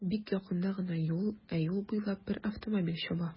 Бик якында гына юл, ә юл буйлап бер автомобиль чаба.